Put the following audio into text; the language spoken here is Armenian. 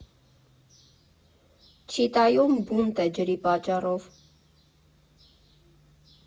Չիտայում բունտ է՝ ջրի պատճառով։